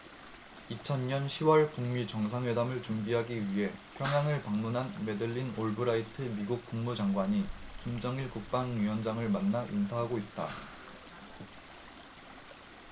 이천 년 시 월 북 미 정상회담을 준비하기 위해 평양을 방문한 매들린 올브라이트 미국 국무장관이 김정일 국방위원장을 만나 인사하고 있다